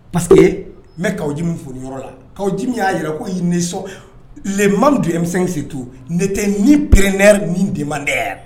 Parce n kaji furuyɔrɔ la kajimi y'a jira ko nsɔn ma dunmisɛn setu ne tɛ ni pɛrɛnɛ ni de manyara